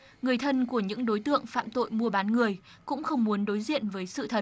người thân của những đối tượng phạm tội mua bán người cũng không muốn đối diện với sự thật